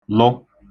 lụ